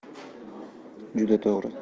juda to'g'ri